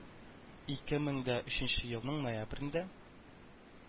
Ике мең дә өченче елның ноябрендә